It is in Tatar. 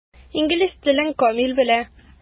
Инглиз телен камил белә.